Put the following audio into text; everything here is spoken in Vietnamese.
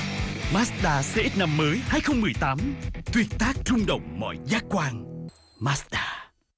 mát ta xê ích năm mới hai không mười tám tuyệt tác rung động mọi giác quan mát ta